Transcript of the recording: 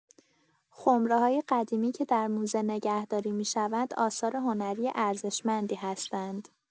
خمره‌های قدیمی که در موزه نگهداری می‌شوند، آثار هنری ارزشمندی هستند.